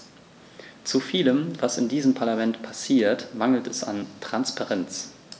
Zu vielem, was in diesem Parlament passiert, mangelt es an Transparenz.